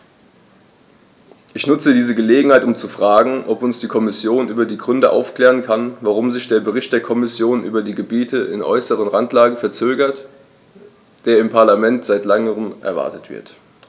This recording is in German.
Ich nutze diese Gelegenheit, um zu fragen, ob uns die Kommission über die Gründe aufklären kann, warum sich der Bericht der Kommission über die Gebiete in äußerster Randlage verzögert, der im Parlament seit längerem erwartet wird.